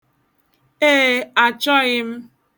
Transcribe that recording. Ee, achọghị m!